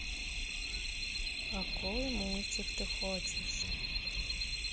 какой мультик ты хочешь